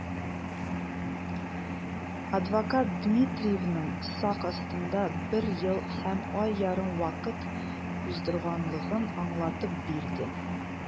Адвокат Дмитриевның сак астында бер ел һәм ай ярым вакыт уздырганлыгын аңлатып бирде.